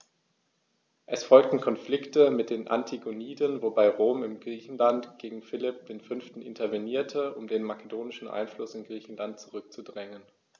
Es folgten Konflikte mit den Antigoniden, wobei Rom in Griechenland gegen Philipp V. intervenierte, um den makedonischen Einfluss in Griechenland zurückzudrängen.